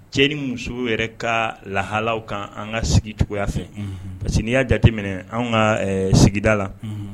Cɛ ni musow yɛrɛ ka lahala kan an ka sigi cogoyaya fɛ ka siniya jateminɛ an ka sigida la